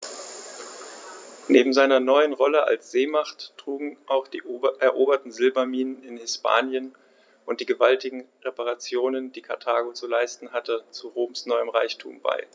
Neben seiner neuen Rolle als Seemacht trugen auch die eroberten Silberminen in Hispanien und die gewaltigen Reparationen, die Karthago zu leisten hatte, zu Roms neuem Reichtum bei.